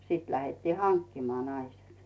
sitten lähdettiin hankkimaan naiset